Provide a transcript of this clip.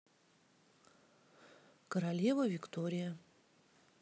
королева виктория